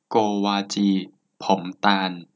โกวาจีผมตาล